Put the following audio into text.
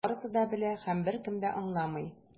Барысы да белә - һәм беркем дә аңламый.